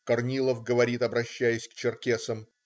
Корнилов говорит, обращаясь к черкесам.